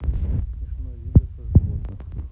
смешное видео про животных